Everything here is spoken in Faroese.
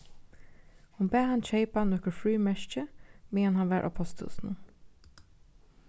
hon bað hann keypa nøkur frímerki meðan hann var á posthúsinum